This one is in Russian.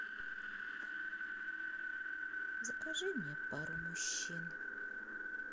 закажи мне пару мужчин